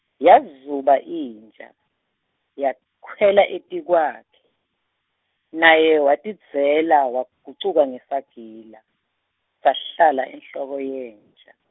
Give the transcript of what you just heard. Yazuba inja, yekhwela etikwakhe, naye watidzela wagucuka ngesagila, sahlala enhloko yenja.